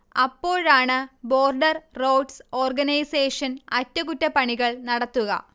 അപ്പോഴാണ് border roads organisation അറ്റകുറ്റപ്പണികൾ നടത്തുക